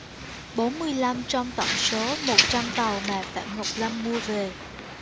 bốn mươi lăm trong tổng số một trăm tàu mà phạm ngọc lâm mua về